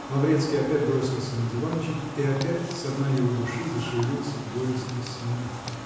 Лаврецкий опять бросился на диванчик, и опять со дна его души зашевелился горестный смех.